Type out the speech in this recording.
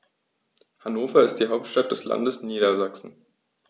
Hannover ist die Hauptstadt des Landes Niedersachsen.